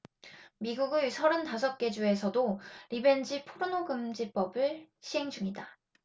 미국의 서른 다섯 개 주에서도 리벤지 포르노 금지법을 시행중이다